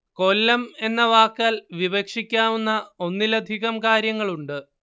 കൊല്ലം എന്ന വാക്കാൽ വിവക്ഷിക്കാവുന്ന ഒന്നിലധികം കാര്യങ്ങളുണ്ട്